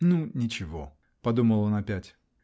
"Ну ничего!" -- подумал он опять.